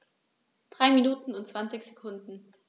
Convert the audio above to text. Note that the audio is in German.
3 Minuten und 20 Sekunden